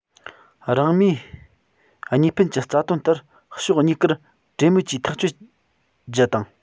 རང མོས གཉིས ཕན གྱི རྩ དོན ལྟར ཕྱོགས གཉིས ཀས གྲོས མོལ གྱིས ཐག གཅོད རྒྱུ དང